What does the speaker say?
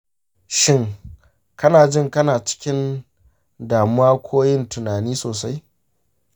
shin kanajin kana cikin damuwa ko yin tunani sosai?